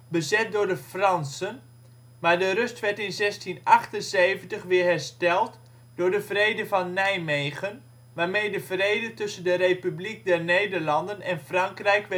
bezet door de Fransen, maar de rust werd in 1678 weer hersteld door de vrede van Nijmegen waarmee de vrede tussen de Republiek der Nederlanden en Frankrijk